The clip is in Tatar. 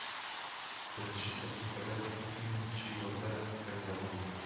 Беренче сәхифәләр ике меңенче елда пәйда булды